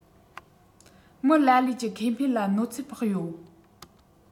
མི ལ ལས ཀྱི ཁེ ཕན ལ གནོད འཚེ ཕོག ཡོད